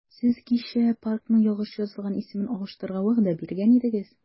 Сез кичә паркның ялгыш язылган исемен алыштырырга вәгъдә биргән идегез.